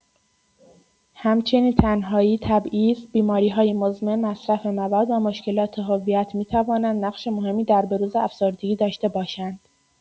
همچنین تنهایی، تبعیض، بیماری‌های مزمن، مصرف مواد و مشکلات هویت می‌توانند نقش مهمی در بروز افسردگی داشته باشند.